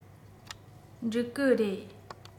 འགྲིག གི རེད